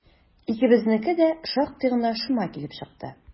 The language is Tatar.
Икебезнеке дә шактый гына шома килеп чыкты.